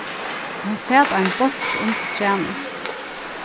og hon sat á einum bonki undir trænum